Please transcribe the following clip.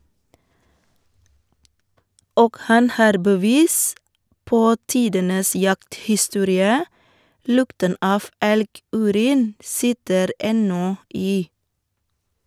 Og han har bevis på tidenes jakthistorie - lukten av elgurin sitter ennå i.